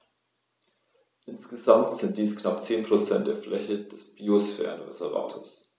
Insgesamt sind dies knapp 10 % der Fläche des Biosphärenreservates.